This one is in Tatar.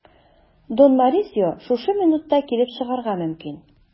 Дон Морисио шушы минутта килеп чыгарга мөмкин.